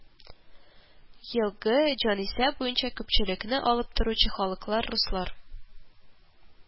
Елгы җанисәп буенча күпчелекне алып торучы халыклар: руслар